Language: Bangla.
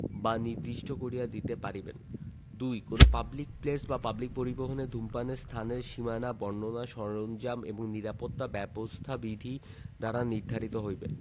বা নির্দিষ্ট করিয়া দিতে পারিবেন ২ কোন পাবলিক প্লেস বা পাবলিক পরিবহণে ধূমপানের স্থানের সীমানা বর্ণনা সরঞ্জাম এবং নিরাপত্তা ব্যবস্থা বিধি দ্বারা নির্ধারিত হইবে